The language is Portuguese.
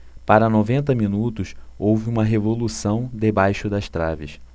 para noventa minutos houve uma revolução debaixo das traves